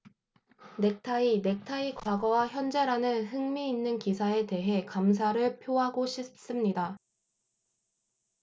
넥타이 넥타이 과거와 현재라는 흥미 있는 기사에 대해 감사를 표하고 싶습니다